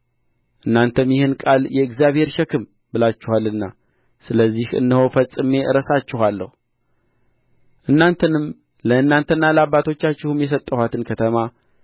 እናንተም ይህን ቃል የእግዚአብሔር ሸክም ብላችኋልና ስለዚህ እነሆ ፈጽሜ እረሳችኋለሁ እናንተንም ለእናንተና ለአባቶቻችሁም የሰጠኋትን ከተማ